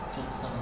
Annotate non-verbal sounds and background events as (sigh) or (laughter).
(hesitation) (hesitation)